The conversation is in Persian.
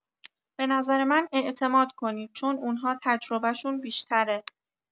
به نظر من اعتماد کنید، چون اون‌ها تجربه‌شون بیشتره.